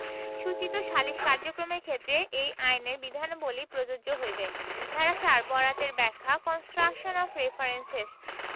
সূচিত সালিস কার্যক্রমের ক্ষেত্রে এই আইনের বিধানাবলী প্রযোজ্য হইবে ধারা ৪ বরাতের ব্যাখ্যা কন্সট্রাকশন অফ রেফারেঞ্চেস